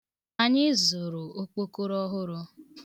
Anyị zụrụ okpokoro ọhụrụ.